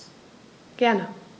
Gerne.